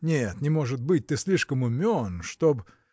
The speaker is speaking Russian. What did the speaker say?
Нет, не может быть: ты слишком умен, чтоб.